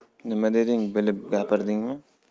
nima deding bilib gapirdingmi